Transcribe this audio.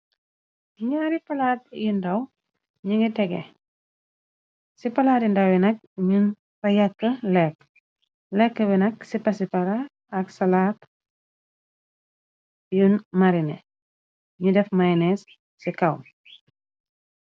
ñaari palaat yu ndaw ñi ngi tege ci palaat yi ndaw yi nak min fayakk lekk lekk wi nak ci pasipara ak salaat yu nu mariné ñu def maynees ci kaw.